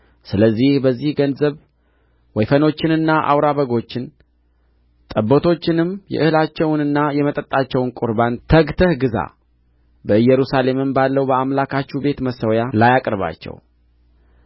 ስለዚህ በዚህ ገንዘብ ወደፈኖችንና አውራ በጎችን ጠቦቶችንም የእህላቸውንና የመጠጣቸውን ቍርባን ተግተህ ግዛ በኢየሩሳሌምም ባለው በአምላካችሁ ቤት መሠዊያ ላይ አቅርባቸው